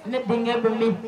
Ne denkɛ don min